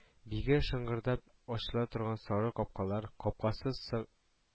Биге шыңгырдап ачыла торган сары капкалар, капкасыз с